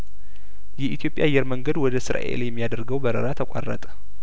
የኢትዮጵያ አየር መንገድ ወደ እስራኤል የሚያደርገው በረራ ተቋረጠ